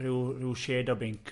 Ryw, ryw shade o binc.